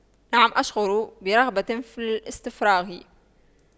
نعم أشعر برغبة في الاستفراغ